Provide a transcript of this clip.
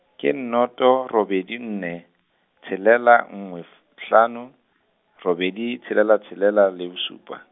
ke noto, robedi, nne, tshelela, nngwe f-, hlano, robedi, tshelela, tshelela le bosupa.